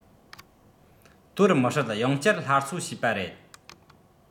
གཏོར མི སྲིད ཡང བསྐྱར སླར གསོ བྱས པ རེད